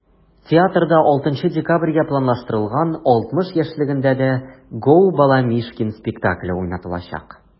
Театрда 6 декабрьгә планлаштырылган 60 яшьлегендә дә “Gо!Баламишкин" спектакле уйналачак.